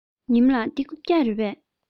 ཉི མ ལགས འདི རྐུབ བཀྱག རེད པས